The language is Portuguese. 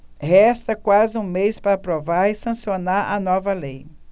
resta quase um mês para aprovar e sancionar a nova lei